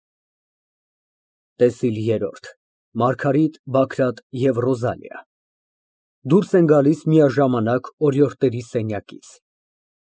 ՏԵՍԻԼ ԵՐՐՈՐԴ ՄԱՐԳԱՐԻՏ, ԲԱԳՐԱՏ ԵՎ ՌՈԶԱԼԻԱ Դուրս են գալիս միաժամանակ օրիորդների սենյակից։